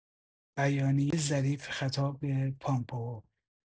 بیانیه ظریف خطاب به پامپئو